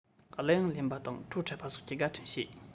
གླུ དབྱངས ལེན པ དང བྲོ འཁྲབ པ སོགས ཀྱི དགའ སྟོན བྱས